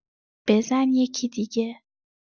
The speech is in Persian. بزن یکی دیگه!